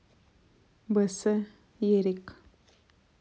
бс ерик